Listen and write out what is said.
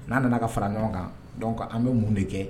N'a nana ka fara ɲɔgɔn kan an bɛ mun de kɛ